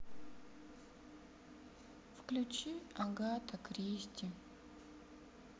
включи агата кристи